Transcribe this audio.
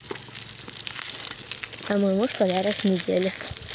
а мой муж подарок недели